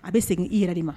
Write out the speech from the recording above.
A bɛ segin i yɛrɛ de ma